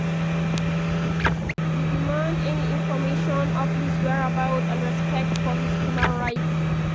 We demand any information of his whereabouts and respect for his human rights.